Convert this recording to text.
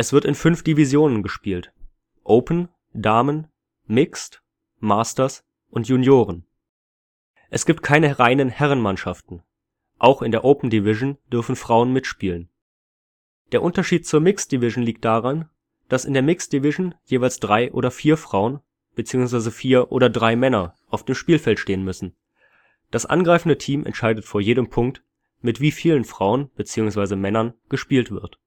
wird in fünf Divisionen gespielt: Open, Damen, Mixed, Masters und Junioren. Es gibt keine reinen Herrenmannschaften, auch in der Open-Division dürfen Frauen mitspielen. Der Unterschied zur Mixed-Division liegt darin, dass in der Mixed-Division jeweils 3 oder 4 Frauen, beziehungsweise 4 oder 3 Männer auf dem Spielfeld stehen müssen, das angreifende Team entscheidet vor jedem Punkt, mit wie vielen Frauen, beziehungsweise Männern gespielt wird